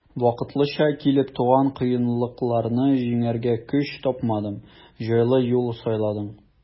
Вакытлыча килеп туган кыенлыкларны җиңәргә көч тапмадың, җайлы юл сайладың.